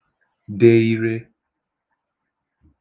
de ire